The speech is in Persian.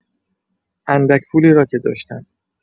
اندک پولی را که داشتم.